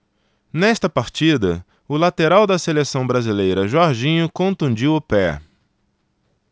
nesta partida o lateral da seleção brasileira jorginho contundiu o pé